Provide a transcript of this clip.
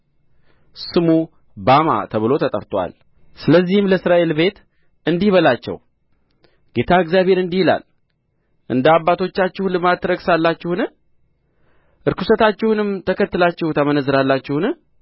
ስሙ ባማ ተብሎ ተጠርቶአል ስለዚህ ለእስራኤል ቤት እንዲህ በላቸው ጌታ እግዚአብሔር እንዲህ ይላል እንደ አባቶቻችሁ ልማድ ትረክሳላችሁን ርኵሰታቸውንም ተከትላችሁ ታመነዝራላችሁን